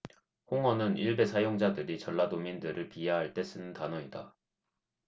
홍어는 일베 사용자들이 전라도민들을 비하할 때 쓰는 단어이다